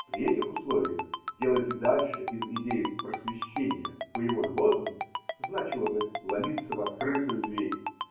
При этих условиях делать и дальше из идеи просвещения боевой лозунг зна чило бы ломиться в открытую дверь.